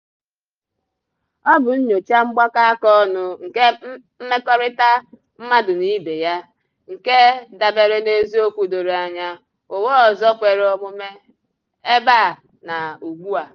Ọ bụ nnyocha mgbakọ aka ọnụ nke mmekọrịta mmadụ na ibe ya, nke dabere n'eziokwu doro anya: ụwa ọzọ kwere omume, ebe a na ugbu a.